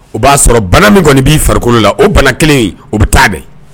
O b'a sɔrɔ bana min kɔni b'i farikolo o bana kelen in, o bɛ taa den.